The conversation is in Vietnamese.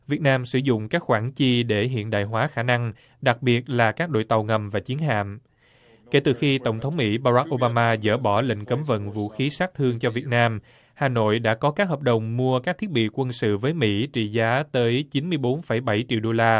việt nam sử dụng các khoản chi để hiện đại hóa khả năng đặc biệt là các đội tàu ngầm và chiến hạm kể từ khi tổng thống mỹ ba rắc ô ba ma dỡ bỏ lệnh cấm vận vũ khí sát thương cho việt nam hà nội đã có các hợp đồng mua các thiết bị quân sự với mỹ trị giá tới chín mươi bốn phẩy bảy triệu đô la